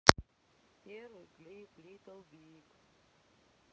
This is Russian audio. первый клип литл биг